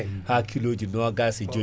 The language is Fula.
ha kiloji nagass e joyyi